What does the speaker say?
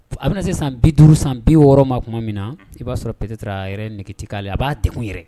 A bɛna se san bi duuru san bi wɔɔrɔ ma tuma min na i b'a sɔrɔ peut etre a yɛrɛ nege tɛ kɛ 'ale yɛrɛ, a b'a degun yɛrɛ